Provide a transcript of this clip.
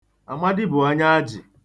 Amadi bụ onye Ajị